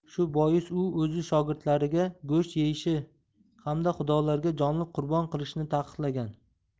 shu bois u o'z shogirdlariga go'sht yeyish hamda xudolarga jonliq qurbon qilishni taqiqlagan